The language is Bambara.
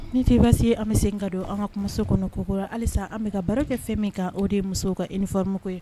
Ni tɛba se an bɛ se sen ka don an ka kungo muso kɔnɔ kogo halisa an bɛka ka baro kɛ fɛn min ka o de musow ka i ni fɔmo koyi ye